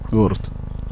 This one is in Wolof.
wóorut